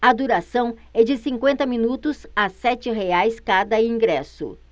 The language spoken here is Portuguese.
a duração é de cinquenta minutos a sete reais cada ingresso